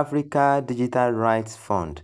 Africa Digital Rights Fund